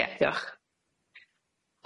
Ia diolch.